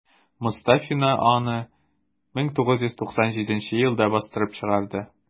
Мостафина аны 1997 елда бастырып чыгарды.